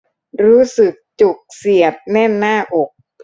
รู้สึกจุกเสียดแน่นหน้าอก